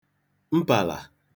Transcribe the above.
mpàlà